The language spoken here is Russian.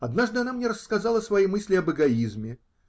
Однажды она мне рассказала свои мысли об эгоизме.